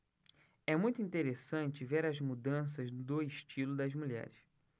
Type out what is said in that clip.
é muito interessante ver as mudanças do estilo das mulheres